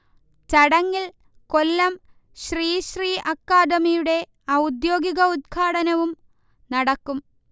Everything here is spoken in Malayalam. ചടങ്ങിൽ കൊല്ലം ശ്രീ ശ്രീ അക്കാഡമിയുടെ ഔദ്യോഗിക ഉദ്ഘാടനവും നടക്കും